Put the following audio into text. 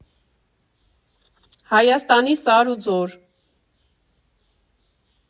Հայաստանի սար ու ձոր։